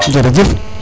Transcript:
jerejef